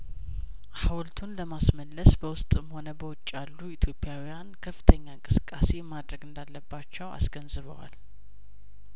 ሀውልቱን ለማስመለስ በውስጥም ሆነ በውጭ ያሉ ኢትዮፕያውያን ከፍተ ተኛ እንቅስቃሴ ማድረግ እንዳለባቸው አስገንዝበዋል